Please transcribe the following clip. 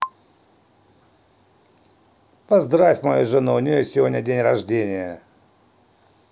поздравь мою жену у нее сегодня день рождения